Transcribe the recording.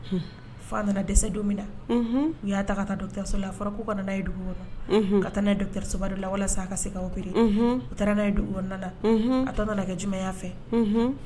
Fa nana dɛsɛ don min na u y'a ta ka taaso la a fɔra ko ka nana' ye dugu kɔnɔ ka taa kɛrasobari la walasa a ka se ka kelen u taara n'a ye duguɔrɔn ka taara nana kɛ jumɛnya fɛ